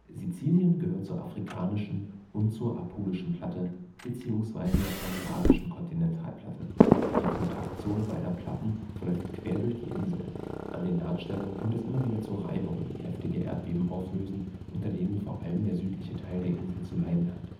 Sizilien gehört zur afrikanischen und zur Apulischen Platte bzw. eurasischen Kontinentalplatte. Die Kontaktzone beider Platten verläuft quer durch die Insel. An den Nahtstellen kommt es immer wieder zu Reibungen, die heftige Erdbeben auslösen, unter denen vor allem der südliche Teil der Insel zu leiden hat